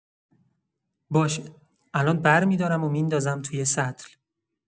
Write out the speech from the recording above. باشه، الان برمی‌دارم و می‌ندازم توی سطل.